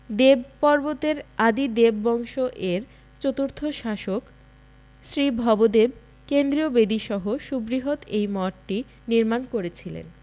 দেবপর্বত এর আদি দেব বংশ এর চতুর্থ শাসক শ্রী ভবদেব কেন্দ্রীয় বেদিসহ সুবৃহৎ এই মঠটি নির্মাণ করেছিলেন